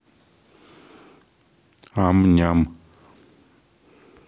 ам ням